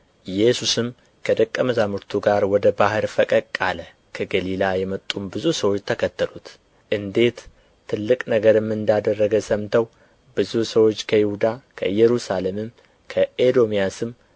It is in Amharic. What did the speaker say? ኢየሱስም ከደቀ መዛሙርቱ ጋር ወደ ባህር ፈቀቅ አለ ከገሊላ የመጡም ብዙ ሰዎች ተከተሉት እንዴት ትልቅ ነገርም እንዳደረገው ሰምተው ብዙ ሰዎች ከይሁዳ ከኢየሩሳሌምም ከኤዶምያስም